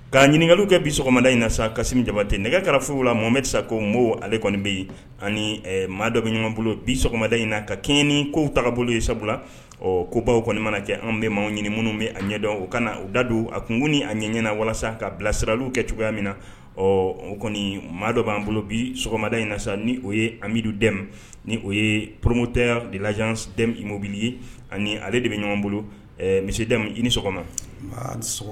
Ɲini ɲininkaka kɛ bida sa jaba nɛgɛ furu la ko ale bɛ yen ani maa bɛ bi sɔgɔmada in na ka kɛini ko bolo sabula ɔ ko baw kɔni mana cɛ anw bɛ ma ɲini minnu bɛ a ɲɛdɔn o kana u da don a tunkun ni a ɲɛ ɲɛnaan walasa ka bilasirali kɛ cogoya min na ɔ o kɔni maa dɔ b'an bolo bi sɔgɔmada in na sa ni o ye anbi dɛmɛ ni o ye porotɛ de mobili ye ani ale de bɛ ɲɔgɔn bolo misidamu i ni sɔgɔma